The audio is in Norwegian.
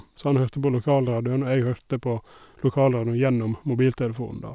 Så han hørte på lokalradioen, og jeg hørte på lokalradioen gjennom mobiltelefonen, da.